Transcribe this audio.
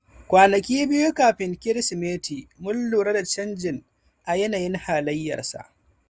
"Kwanaki biyu kafin Kirsimeti mun lura da canji a yanayin halayyar sa.